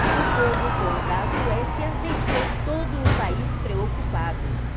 o jogo contra a suécia deixou todo o país preocupado